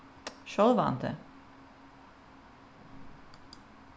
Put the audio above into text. sjálvandi